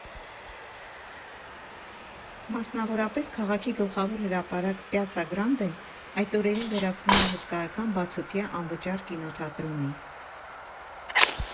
Մասնավորապես՝ քաղաքի գլխավոր հրապարակ Պյացցա Գրանդեն այդ օրերին վերածվում է հսկայական բացօթյա անվճար կինոթատրոնի.